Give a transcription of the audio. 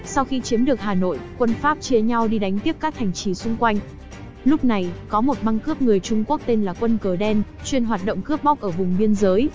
sau khi chiếm được hà nội quân pháp chia nhau đi đánh tiếp các thành trì xung quanh lúc này có một băng cướp người trung quốc tên là quân cờ đen chuyên hoạt động cướp bóc ở vùng biên giới